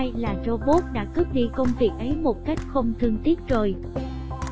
hay là robot đã cướp đi công việc ấy một cách không thương tiếc rồi